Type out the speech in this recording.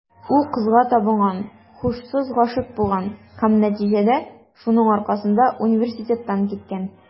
Ул кызга табынган, һушсыз гашыйк булган һәм, нәтиҗәдә, шуның аркасында университеттан киткән.